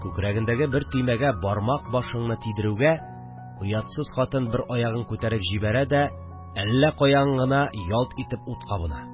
Күкрәгендәге бер төймәгә бармак башыңны тидерүгә, оятсыз хатын бер аягын күтәреп җибәрә дә, әллә каян гына ялт итеп ут кабына